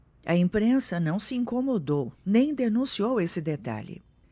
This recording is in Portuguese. a imprensa não se incomodou nem denunciou esse detalhe